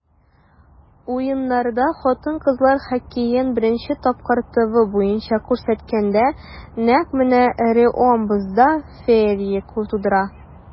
Уеннарда хатын-кызлар хоккеен беренче тапкыр ТВ буенча күрсәткәндә, нәкъ менә Реом бозда феерия тудыра.